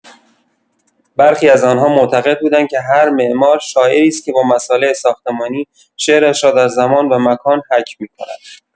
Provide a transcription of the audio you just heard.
برخی از آن‌ها معتقد بودند که هر معمار، شاعری است که با مصالح ساختمانی، شعرش را در زمان و مکان حک می‌کند.